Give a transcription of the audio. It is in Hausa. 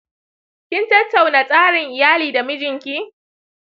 kin tattauna tsarin iyali da mijinki?